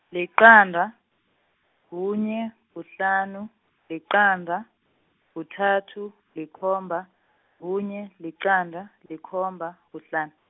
liqanda, kunye, kuhlanu, liqanda, kuthathu, likhomba, kunye, liqanda, likhomba, kuhlanu.